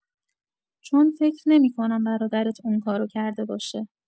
چون فکر نمی‌کنم برادرت اون کار رو کرده باشه.